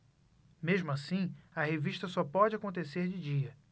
mesmo assim a revista só pode acontecer de dia